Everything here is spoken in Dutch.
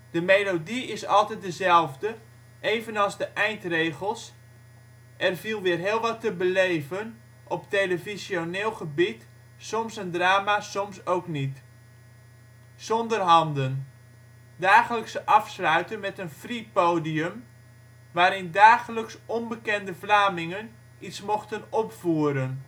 De melodie is altijd dezelfde, evenals de eindregels: " Er viel weer heel wat te beleven / op televisioneel gebied / soms een drama / soms ook niet. " Zonder Handen: Dagelijkse afsluiter met een " free podium " waarin dagelijks onbekende Vlamingen iets mochten opvoeren